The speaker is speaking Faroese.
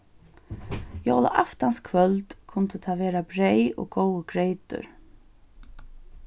jólaaftanskvøld kundi tað vera breyð og góður greytur